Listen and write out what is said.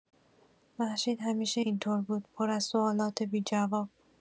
مهشید همیشه این‌طور بود، پر از سوالات بی‌جواب.